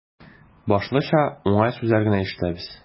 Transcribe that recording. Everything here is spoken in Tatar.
Башлыча, уңай сүзләр генә ишетәбез.